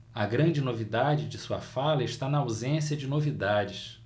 a grande novidade de sua fala está na ausência de novidades